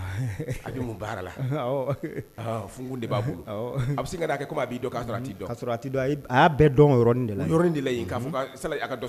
a bɛ mun baara la, awɔ, funfunu de b'a bolo,.a bɛ se k'a kɛ komi a b' don. tan. K'a sɔrɔ i t'i don. A y'a bɛɛ dɔn o yɔrɔ nin de la yen, o yɔrɔ nin de la yen